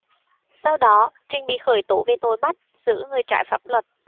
sau đó trình bị khởi tố về tội bắt giữ người trái pháp luật